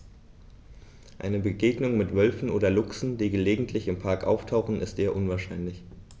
Eine Begegnung mit Wölfen oder Luchsen, die gelegentlich im Park auftauchen, ist eher unwahrscheinlich.